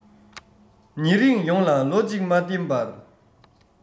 ཉེ རིང ཡོངས ལ ལོ གཅིག མ བརྟེན པར